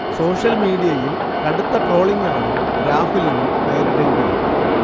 social മിഡീയയിൽ കടുത്ത trolling ആണു രാഹുലിനു നേരിടേണ്ടിവന്നത്